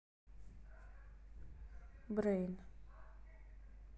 brain